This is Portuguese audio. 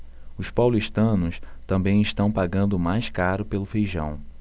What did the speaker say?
os paulistanos também estão pagando mais caro pelo feijão